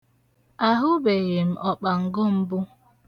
Ahụbeghị m ọkpango mbu.